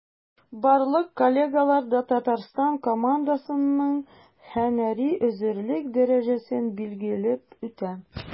Барлык коллегалар да Татарстан командасының һөнәри әзерлек дәрәҗәсен билгеләп үтә.